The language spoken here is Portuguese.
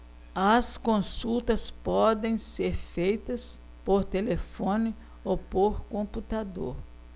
as consultas podem ser feitas por telefone ou por computador